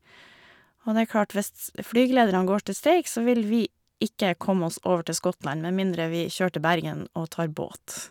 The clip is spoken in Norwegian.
Og det er klart, hvis flygelederne går til streik, så vil vi ikke komme oss over til Skottland med mindre vi kjører til Bergen og tar båt.